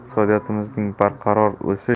iqtisodiyotimizning barqaror o'sish